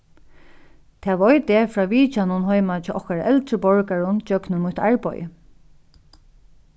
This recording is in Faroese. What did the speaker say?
tað veit eg frá vitjanum heima hjá okkara eldri borgarum gjøgnum mítt arbeiði